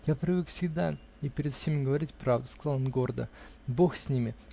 Я привык всегда и перед всеми говорить правду, -- сказал он гордо. -- Бог с ними!